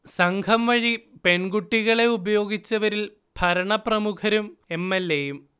സംഘം വഴി പെൺകുട്ടികളെ ഉപയോഗിച്ചവരിൽ ഭരണപ്രമുഖരും എം. എൽ. എ. യും